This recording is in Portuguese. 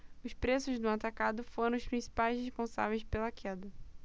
os preços no atacado foram os principais responsáveis pela queda